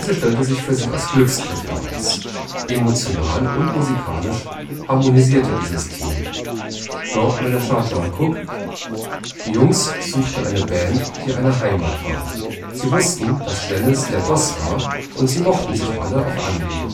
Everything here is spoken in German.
stellte sich für sie als Glücksgriff heraus. Emotional und musikalisch harmonierte dieses Team. Road-Manager John Cooke: „ Die Jungs suchten eine Band, die eine Heimat war. Sie wussten, dass Janis der Boss war und sie mochten sich alle auf Anhieb